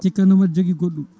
cikkannomi aɗa joogui goɗɗm